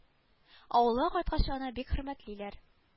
Авылга кайткач аны бик хөрмәтлиләр